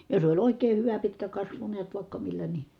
jos oli oikein hyvä pitkä kasvu näet vaikka millä niin